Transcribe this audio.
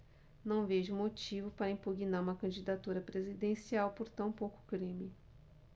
não vejo motivo para impugnar uma candidatura presidencial por tão pouco crime